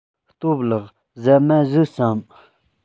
སྟོབས ལགས ཟ མ ཟོས སམ